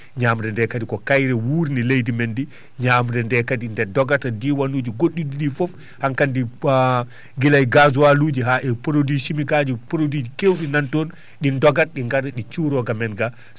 ñaamre nde kadi ko kayre wuurni leydi men ndi ñamre nde kadi nde doggat diwanuji goɗɗuɗi ɗi fof hankkandi guilaye gasoil uji haa e produit chimique aji produit ji keewɗi nan toon ɗi dogat ɗi gaara ɗi cuuro ga men ga